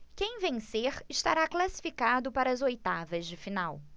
quem vencer estará classificado para as oitavas de final